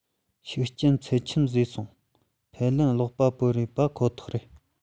ཤུགས རྐྱེན ཚབས ཆེན བཟོ སྲིད ཕབ ལེན ཀློག པ པོའི རེད པ ཁོ ཐག རེད